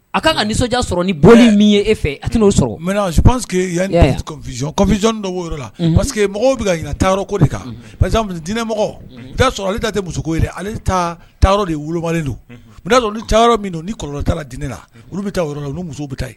A ka ka nisɔndiya sɔrɔ ni bɔ min ye e fɛ a n'o sɔrɔ mɛseke yanz dɔw yɔrɔ la parceseke mɔgɔw bɛ yɔrɔ ko de kan diinɛ mɔgɔ' sɔrɔ ale ta tɛ muso ale taa de wololi n'a yɔrɔ min don ni kɔrɔ ta dinɛ la olu bɛ taa yɔrɔ la muso bɛ taa yen